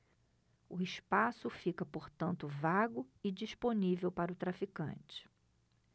o espaço fica portanto vago e disponível para o traficante